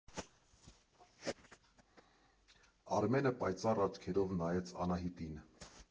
Արմենը պայծառ աչքերով նայեց Անահիտին։